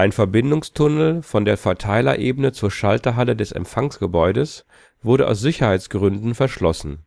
Verbindungstunnel von der Verteilerebene zur Schalterhalle des Empfangsgebäudes wurde aus Sicherheitsgründen verschlossen